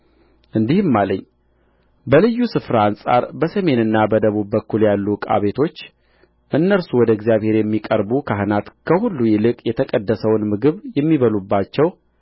እንዲህም አለኝ በልዩ ስፍራ አንጻር በሰሜንና በደቡብ በኩል ያሉ ዕቃ ቤቶች እነርሱ ወደ እግዚአብሔር የሚቀርቡ ካህናት ከሁሉ ይልቅ የተቀደሰውን ምግብ የሚበሉባቸው